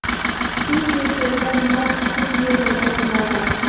suv keltirgan mard suv bermagan nomard